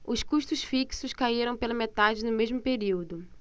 os custos fixos caíram pela metade no mesmo período